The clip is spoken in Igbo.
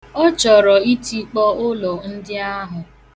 Ọ chọrọ ịtikpọ ụlọ ndị ahụ.